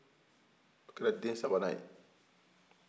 o kɛra den sabanan ye